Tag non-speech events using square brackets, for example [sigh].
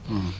[hesitation] [hesitation]